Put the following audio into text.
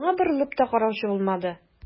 Аңа борылып та караучы булмады.